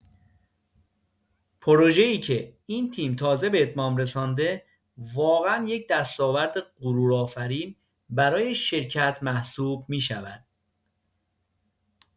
پروژه‌ای که این تیم تازه به اتمام رسانده، واقعا یک دستاورد غرورآفرین برای شرکت محسوب می‌شود.